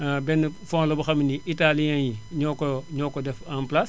benn fond la boo xam ne italien yi ñoo ko ñoo ko def en place